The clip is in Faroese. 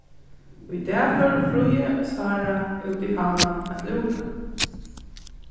í dag fóru fríði og sára út í havan at lúka